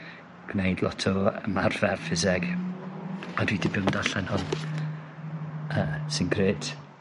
gwneud lot o ymarfer ffiseg a dwi 'di bod yn darllen hwn, yy sy'n grêt.